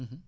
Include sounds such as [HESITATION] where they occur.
[HESITATION] [HESITATION]